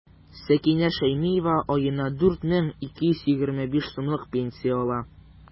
Сәкинә Шәймиева аена 4 мең 225 сумлык пенсия ала.